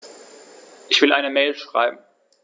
Ich will eine Mail schreiben.